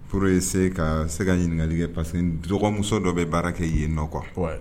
P ye se ka se ka ɲininkali kɛ parce que dɔgɔmuso dɔ bɛ baara kɛ yen nɔ qu